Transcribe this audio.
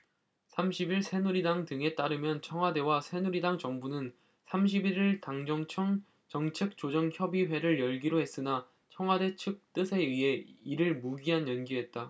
삼십 일 새누리당 등에 따르면 청와대와 새누리당 정부는 삼십 일 일 당정청 정책조정협의회를 열기로 했으나 청와대 측 뜻에 의해 이를 무기한 연기했다